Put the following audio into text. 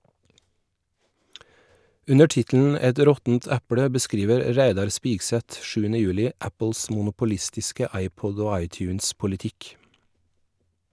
Under tittelen "Et råttent eple" beskriver Reidar Spigseth 7. juli Apples monopolistiske iPod- og iTunes-politikk.